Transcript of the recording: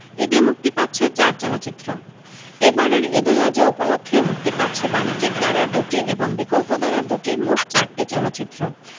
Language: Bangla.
ঈদে মুক্তি পাচ্ছে চার চলচ্চিত্র এবারের ঈদ উল আযহা উপলক্ষে মুক্তি পাচ্ছে বাণিজ্যিক দারার দুটি এবং বিকল্পদারার দুটি মোট চারটি চলচ্চিত্র